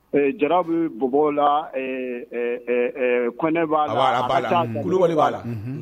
Jara bɛ npogoo la kɔnɛ b'a la' kulubali b'a la